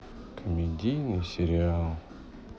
комедийный сериал